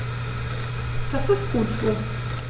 Das ist gut so.